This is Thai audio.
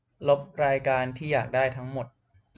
ลบรายการที่อยากได้ทั้งหมด